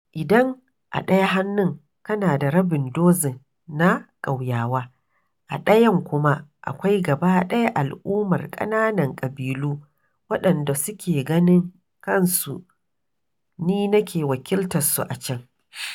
Idan a ɗaya hannun kana da rabin dozin na ƙauyawa, a ɗayan kuma akwai gabaɗaya al'ummar ƙananan ƙabilu waɗanda suke ganin kansu ni nake wakiltar su a can.